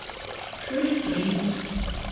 шесть тридцать